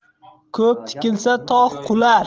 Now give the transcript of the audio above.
ko'p tikilsa tog' qular